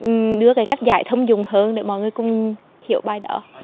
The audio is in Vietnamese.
đưa về cách giải thông dụng hơn để mọi người cùng hiểu bài đó